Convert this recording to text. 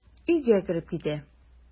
Өйгә кереп китә.